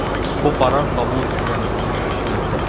Бу карар кабул ителгән көннән көченә керә.